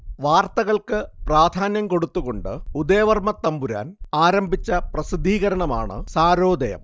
വാർത്തകൾക്ക് പ്രാധാന്യം കൊടുത്തുകൊണ്ട് ഉദയവർമ്മത്തമ്പുരാൻ ആരംഭിച്ച പ്രസിദ്ധീകരണമാണ് സാരോദയം